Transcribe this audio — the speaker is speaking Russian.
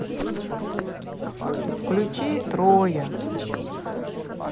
включи троя